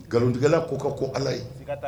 Nkalontigɛla ko ka go Ala ye.